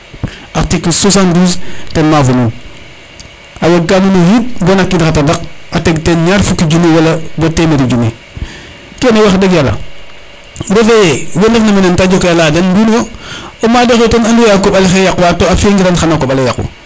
article 72 ten mafu nuun a weg ka nuun o xiid bona xa qiid xa tadaq a teg ten ñaar fukki junni wala bo temeri junni kene wax deg yala refe ye we ndef na mene radio ke a leya den mbi'uno yo o mado xe ten andu ye a koɓale oxey yaq wa to a fiya ngiran xana koɓale yaqu